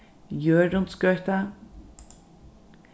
jørundsgøta